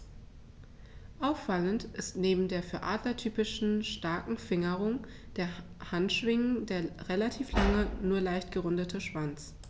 Auffallend ist neben der für Adler typischen starken Fingerung der Handschwingen der relativ lange, nur leicht gerundete Schwanz.